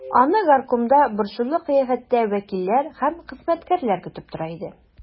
Аны горкомда борчулы кыяфәттә вәкилләр һәм хезмәткәрләр көтеп тора иде.